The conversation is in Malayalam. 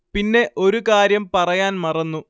പിന്നെ ഒരു കാര്യം പറയാന്‍ മറന്നു